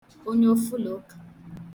onye ofulụ̀ụkà